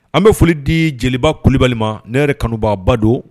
An bɛ foli di jelibalibali ma ne yɛrɛ kanubaba don